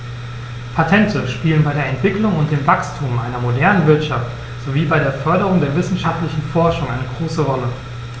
Patente spielen bei der Entwicklung und dem Wachstum einer modernen Wirtschaft sowie bei der Förderung der wissenschaftlichen Forschung eine große Rolle.